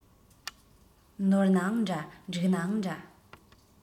ནོར ནའང འདྲ འགྲིག ནའང འདྲ